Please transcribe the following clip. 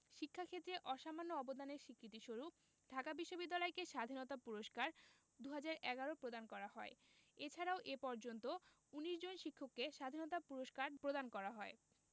শিক্ষা ক্ষেত্রে অসামান্য অবদানের স্বীকৃতিস্বরূপ ঢাকা বিশ্ববিদ্যালয়কে স্বাধীনতা পুরস্কার ২০১১ প্রদান করা হয় এছাড়াও এ পর্যন্ত ১৯ জন শিক্ষককে স্বাধীনতা পুরস্কার প্রদান করা হয়